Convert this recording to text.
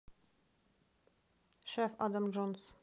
шеф адам джонсон